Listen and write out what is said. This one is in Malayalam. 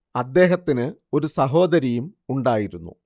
അദ്ദേഹത്തിന് ഒരു സഹോദരിയും ഉണ്ടായിരുന്നു